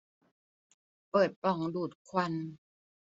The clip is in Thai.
เปิดปล่องดูดควัน